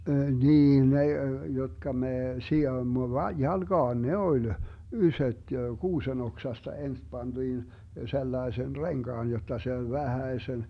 niin ne jotka me sidoimme - jalkaan ne oli isot kuusen oksasta ensin pantiin sellaisen renkaan jotta se oli vähäsen